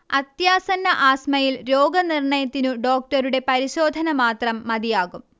അത്യാസന്ന ആസ്മയിൽ രോഗനിർണയത്തിനു ഡോക്ടറുടെ പരിശോധന മാത്രം മതിയാകും